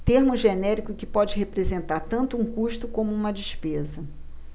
termo genérico que pode representar tanto um custo como uma despesa